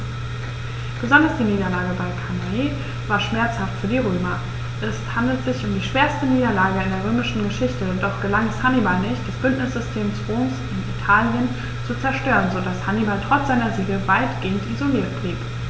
Besonders die Niederlage bei Cannae war schmerzhaft für die Römer: Es handelte sich um die schwerste Niederlage in der römischen Geschichte, doch gelang es Hannibal nicht, das Bündnissystem Roms in Italien zu zerstören, sodass Hannibal trotz seiner Siege weitgehend isoliert blieb.